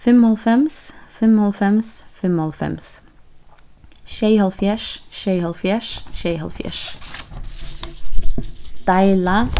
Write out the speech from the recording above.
fimmoghálvfems fimmoghálvfems fimmoghálvfems sjeyoghálvfjerðs sjeyoghálvfjerðs sjeyoghálvfjerðs deila